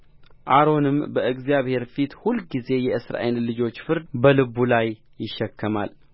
አሮንም በእግዚአብሔር ፊት ሁልጊዜ የእስራኤልን ልጆች ፍርድ በልቡ ላይ ይሸከማል